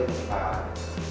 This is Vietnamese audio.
và